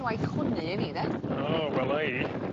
...waith chwynnu i fi 'de. O wela i.